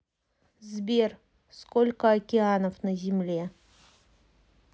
сбер сколько океанов на земле